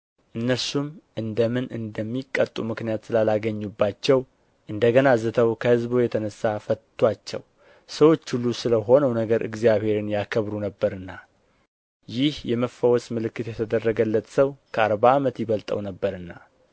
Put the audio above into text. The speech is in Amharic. እነርሱም እንደ ምን እንደሚቀጡ ምክንያት ስላላገኙባቸው እንደ ገና ዝተው ከሕዝቡ የተነሣ ፈቱአቸው ሰዎች ሁሉ ስለ ሆነው ነገር እግዚአብሔርን ያከብሩ ነበርና ይህ የመፈወስ ምልክት የተደረገለት ሰው ከአርባ ዓመት ይበልጠው ነበርና